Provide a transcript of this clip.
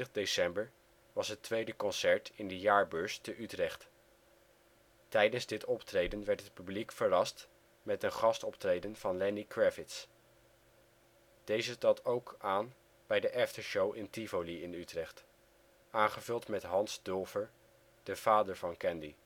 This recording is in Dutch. december was het tweede concert in de Jaarbeurs te Utrecht. Tijdens dit optreden werd het publiek verrast met een gastoptreden van Lenny Kravitz. Deze trad ook aan bij de aftershow in Tivoli in Utrecht, aangevuld met Hans Dulfer, de vader van Candy